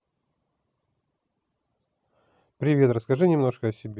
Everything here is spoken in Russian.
привет расскажи немножко о себе